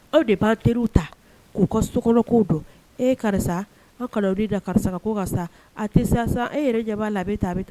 Aw de b'an teriw ta k'u ka sokɔnɔ kow dɔn e karisa aw kan'aw ni da karisa ka ko kan sa a te sa san e yɛrɛ ɲɛb'a la a be tan a be tan